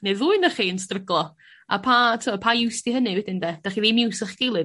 neu'r ddwy o'noch yn stryglo a pa t'o' pa iws 'di hynny wedyn 'de dach chi ddim iws i'ch gilydd